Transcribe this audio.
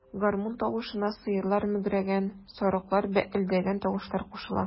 Гармун тавышына сыерлар мөгрәгән, сарыклар бәэлдәгән тавышлар кушыла.